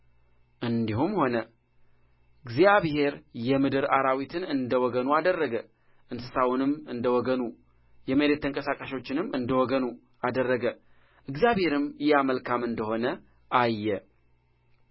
እንዲሁም ሆነ እግዚአብሔር የምድር አራዊትን እንደ ወገኑ አደረገ እንስሳውንም እንደ ወገኑ የመሬት ተንቀሳቃሾችንም እንደ ወገኑ አደረገ እግዚአብሔርም ያ መልካም እንደ ሆነ አየ